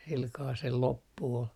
sillä kalella sen loppu oli